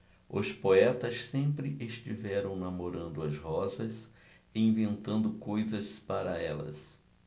os poetas sempre estiveram namorando as rosas e inventando coisas para elas